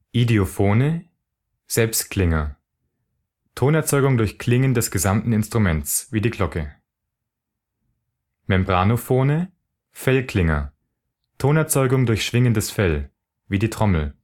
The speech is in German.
Idiophone („ Selbstklinger “– Tonerzeugung durch Klingen des gesamten Instruments) wie die Glocke Membranophone („ Fellklinger “– Tonerzeugung durch schwingendes Fell) wie die Trommel